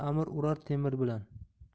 amir urar temir bilan